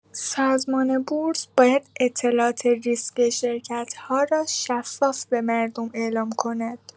سازمان بورس، باید اطلاعات ریسک شرکت‌ها را شفاف به مردم اعلام کند.